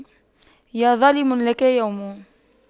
يا ظالم لك يوم